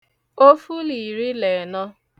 ofu la ìri là ẹ̀nọ